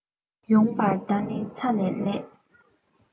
ཡུང བ དང ནི ཚ ལེ ལས